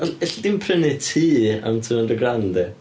Elli di'm prynu tŷ am two hundred grand ia.